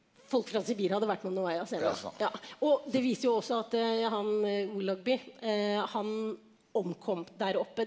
folk fra Sibir hadde vært på Novaya Zemlya ja, og det viser jo også at ja han han omkom der oppe.